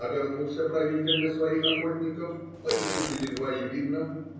Обернулся правитель на своих охотников, а их уже едва и видно